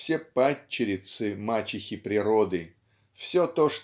все падчерицы мачехи-природы все то